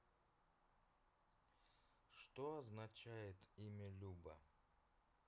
что обозначает имя люба